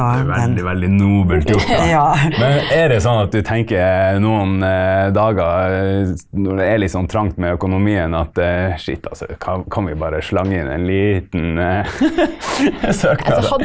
det er veldig, veldig nobelt gjort da, men er det sånn at du tenker noen dager når det er litt sånn trangt med økonomien at skitt altså, hva om hva om vi bare slang inn en liten søknad?